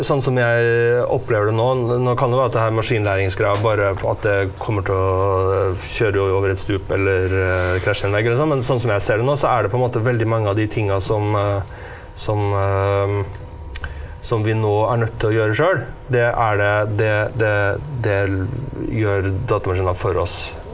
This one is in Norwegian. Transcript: sånn som jeg opplever det nå nå kan det være at det her maskinlæringsgreia bare at det kommer til å kjøre over et stup eller krasje i en vegg eller noe sånn, men sånn som jeg ser det nå så er det på en måte veldig mange av de tinga som som som vi nå er nødt til å gjøre sjøl det er det det det det gjør datamaskinen for oss.